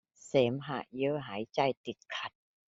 เสมหะเยอะหายใจติดขัด